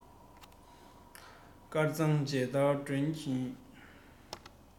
དཀར གཙང མཇལ དར སྒྲོན གྱིན